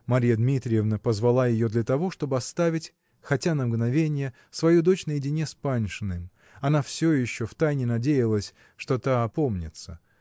Марья Дмитриевна позвала ее для того, чтобы оставить, хотя на мгновенье, свою дочь наедине с Паншиным: она все еще втайне надеялась, что она опомнится.